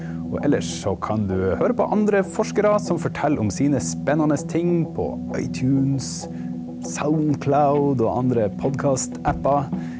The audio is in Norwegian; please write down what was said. og ellers så kan du høre på andre forskere som forteller om sine spennende ting på iTunes, Soundcloud og andre podkastapper.